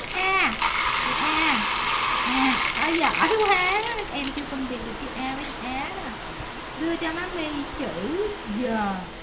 a chữ a chữ a giỏi quá em chưa phân biệt được chữ a với chữ á đưa cho má mi chữ dờ